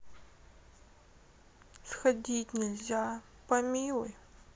сходить нельзя помилуй